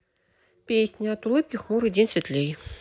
песня от улыбки хмурый день светлей